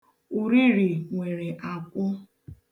Uriri nwere akwụ.